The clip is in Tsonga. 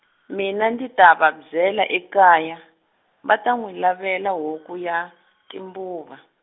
mina ndzi ta va byela ekaya, va ta n'wi lavela huku ya, timbuva.